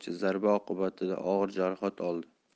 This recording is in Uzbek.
zarba oqibatida og'ir jarohat oldi